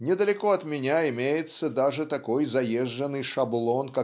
недалеко от меня имеется даже такой заезженный шаблон